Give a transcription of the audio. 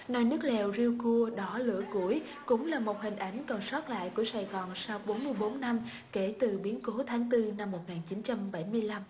là nước lèo riêu cua đỏ lửa củi cũng là một hình ảnh còn sót lại của sài gòn sau bốn mươi bốn năm kể từ biến cố tháng tư năm một ngàn chín trăm bảy mươi lăm